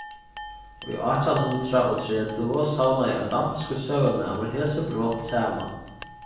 í átjan hundrað og tretivu savnaði ein danskur søgumaður hesi brot saman